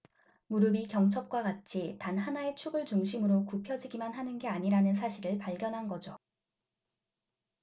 무릎이 경첩과 같이 단 하나의 축을 중심으로 굽혀지기만 하는 게 아니라는 사실을 발견한 거죠